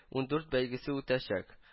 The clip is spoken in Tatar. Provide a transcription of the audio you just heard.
Ундурт " бәйгесе үтәчәк